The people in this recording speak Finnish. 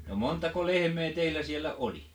no montako lehmää teillä siellä oli